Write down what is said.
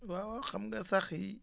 waaw xam nga sax yi